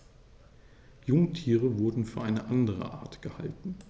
Jungtiere wurden für eine andere Art gehalten.